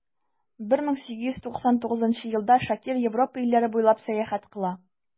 1899 елда шакир европа илләре буйлап сәяхәт кыла.